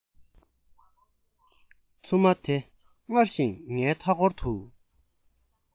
འཚུབ མ དེ སྔར བཞིན ངའི མཐའ འཁོར དུ